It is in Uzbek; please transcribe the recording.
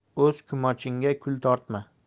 o'z kumochingga kul tortma